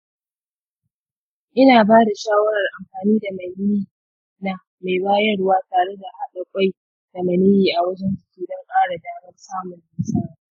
ina ba da shawarar amfani da maniyyi na mai bayarwa tare da haɗa ƙwai da maniyyi a wajen jiki don ƙara damar samun nasara.